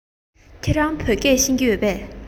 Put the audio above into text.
ཁྱེད རང བོད སྐད ཤེས ཀྱི ཡོད པས